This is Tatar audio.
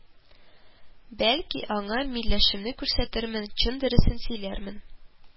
Бәлки, аңа миләшемне күрсәтермен, чын дөресен сөйләрмен